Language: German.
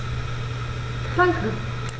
Danke.